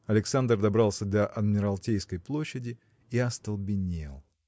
Александр добрался до Адмиралтейской площади и остолбенел.